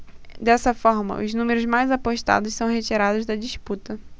dessa forma os números mais apostados são retirados da disputa